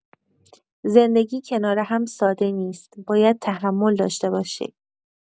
زندگی کنار هم ساده نیست، باید تحمل داشته باشی.